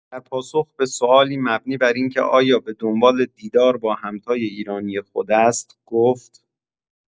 در پاسخ به سوالی مبنی بر اینکه آیا به دنبال دیدار با همتای ایرانی خود است، گفت: